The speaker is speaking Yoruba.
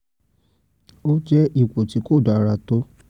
Ó jẹ́ ipò tí kò dára tó."